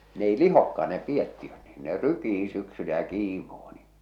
ne ei lihokaan ne piettiöt niin ne rykii syksyllä ja kiimoo niin